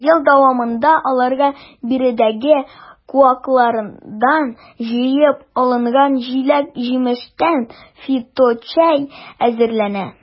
Ел дәвамында аларга биредәге куаклардан җыеп алынган җиләк-җимештән фиточәй әзерләнә.